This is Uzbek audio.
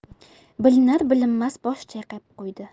bilinar bilinmas bosh chayqab qo'ydi